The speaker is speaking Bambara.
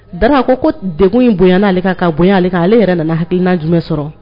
Da ko ko deg in bonyayan'ale ka ka bonya ale' ale yɛrɛ nana haina jumɛn sɔrɔ